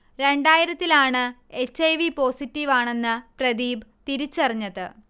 രണ്ടായിരത്തിലാണ് H. I. V positive ആണെന്ന് പ്രദീപ് തിരിച്ചറിഞ്ഞത്